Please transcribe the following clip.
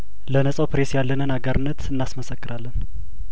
ለነጻው ኘሬስ ያለንን አጋርነት እናስመሰራለን